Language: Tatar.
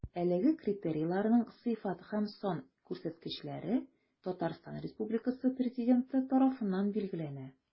Әлеге критерийларның сыйфат һәм сан күрсәткечләре Татарстан Республикасы Президенты тарафыннан билгеләнә.